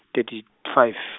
thirty five.